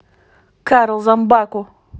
карл зомбаку